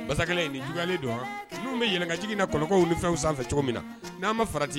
Ba in ni juguya don n bɛɛlɛnkaigi na kɔnɔw fɛnw sanfɛ cogo min na n'a ma fara